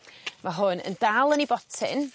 Ma' hwn yn dal yn 'i botyn